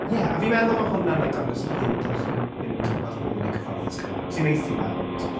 Ie, a fi’n meddwl mae hwnna’n like, dangos hi yn dechrau mynd tymaid bach mwy like cyfforddus gyda pawb sy'n neis i weld.